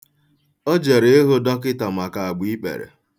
O jere ịhụ dọkịta maka agbaikpere.